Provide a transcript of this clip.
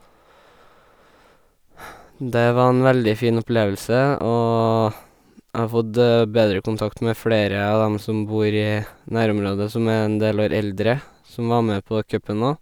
Det var en veldig fin opplevelse, og jeg har fått bedre kontakt med flere av dem som bor i nærområdet som er en del år eldre, som var med på cupen òg.